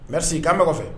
Mɛri k' an bɛ fɛ